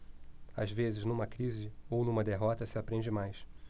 às vezes numa crise ou numa derrota se aprende mais